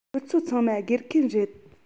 ཁྱོད ཚོ ཚང མ དགེ རྒན རེད